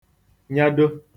nyado